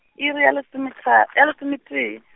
iri ya lesome thar-, ya lesometee.